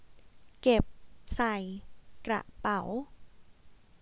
เก็บใส่กระเป๋า